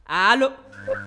Aa